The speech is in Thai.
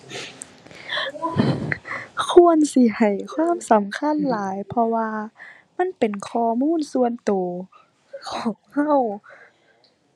ควรสิให้ความสำคัญหลาย เพราะว่ามันเป็นข้อมูลส่วนตัวของตัว